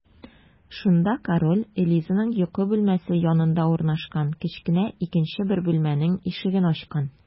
Шунда король Элизаның йокы бүлмәсе янында урнашкан кечкенә икенче бер бүлмәнең ишеген ачкан.